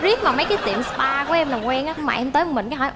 ríp mà mấy cái tiệm sờ pa của em làm quen đó mà anh tới mình cái hỏi